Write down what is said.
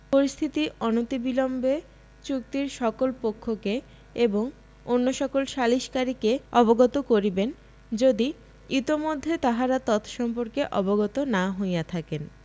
পরিস্থিতি অনতিবিলম্বে চুক্তির সকল পক্ষকে এবং অন্য সকল সালিসকারীকে অবগত করিবেন যদি ইতোমধ্যে তাহারা তৎসম্পর্কে অবহিত না হইয়া থাকেন